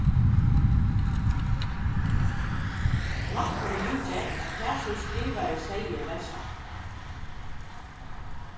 læknin viðgekk at tað sum skrivarin segði var satt